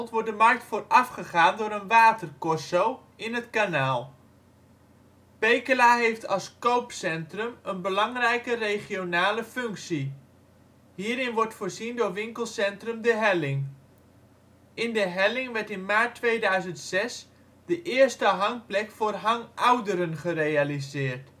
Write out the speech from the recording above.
wordt de markt voorafgegaan door een watercorso in het kanaal. Pekela heeft als koopcentrum een belangrijke regionale functie. Hierin wordt voorzien door Winkelcentrum De Helling. In De Helling werd in maart 2006 de eerste hangplek voor hangouderen gerealiseerd